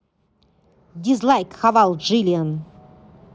дизлайк хавал джиллиан